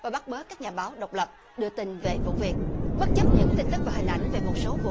và bắt bớ các nhà báo độc lập đưa tin về vụ việc bất chấp những tin tức và hình ảnh về một số vụ